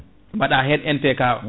baɗa hen MPK o